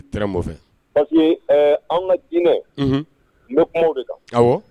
Pa que an ka diinɛ n bɛ mɔgɔw de la